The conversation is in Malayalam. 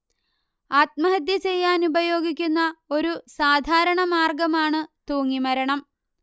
ആത്മഹത്യ ചെയ്യാനുപയോഗിക്കുന്ന ഒരു സാധാരണ മാർഗ്ഗമാണ് തൂങ്ങി മരണം